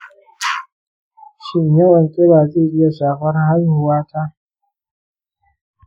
shin yawan kiba zai iya shafar haihuwa ta?